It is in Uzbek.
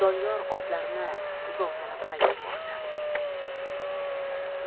doniyor otlarini zovtalab haydab bordi